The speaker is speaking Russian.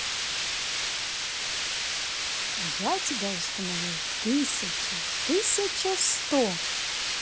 я тебя установил тысяча тысяча сто